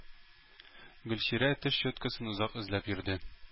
Гөлчирә теш щеткасын озак эзләп йөрде.